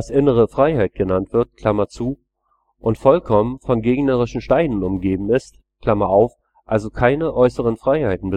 innere Freiheit genannt wird) und vollkommen von gegnerischen Steinen umgeben ist (also keine äußeren Freiheiten